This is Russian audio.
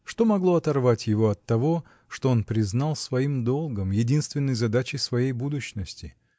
Что могло оторвать его от того, что он признал своим долгом, единственной задачей своей будущности?